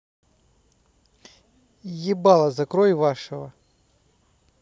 ебало закрой вашего